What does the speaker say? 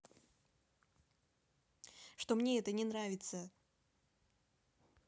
что мне это не нравится